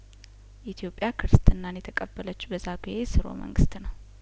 ኢትዮጵያ ክርስትናን የተቀበለችው በዛጔ ስርወ መንግስት ነው